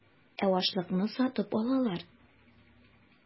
Ә ашлыкны сатып алалар.